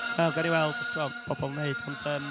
Wel, gawn ni weld os tibod, pobl yn wneud, ond yym,